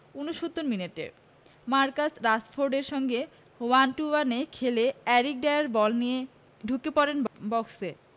৬৯ মিনিটে মার্কাস রাশফোর্ডের সঙ্গে ওয়ান টু ওয়ানে খেলে এরিক ডায়ার বল নিয়ে ঢুকে পড়েন বক্সে